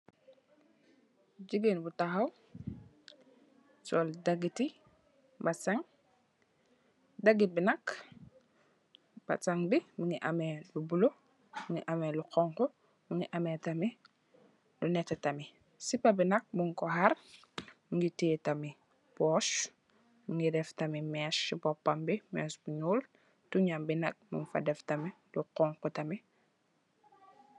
Jigéen bu tahaw sol dagiti mbasin. Dagiti bi nak basang bi mungi ameh lu bulo, mungi ameh lu honku, mungi ameh, mungi ameh tamit lu nètè tamit. Sipa bi nak mung ko harr. Mungi tè tamit pus, mungi def tamit mess ci boppam bi, mèss bu ñuul. Toonyam bi nak mung fa def nak lu honku tamit.